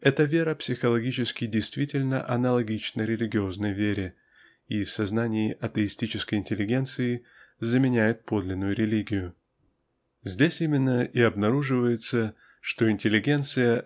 Эта вера психологически действительно аналогична религиозной вере и в сознании атеистической интеллигенции заменяет подлинную религию. Здесь именно и обнаруживается что интеллигенция